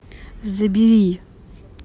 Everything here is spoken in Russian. забери